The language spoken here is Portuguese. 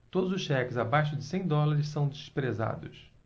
todos os cheques abaixo de cem dólares são desprezados